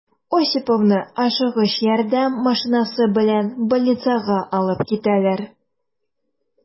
Осиповны «Ашыгыч ярдәм» машинасы белән больницага алып китәләр.